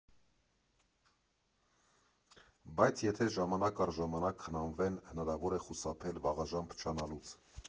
Բայց եթե ժամանակ առ ժամանակ խնամվեն, հնարավոր է խուսափել վաղաժամ փչանալուց։